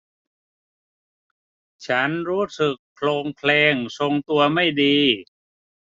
ฉันรู้สึกโคลงเคลงทรงตัวไม่ดี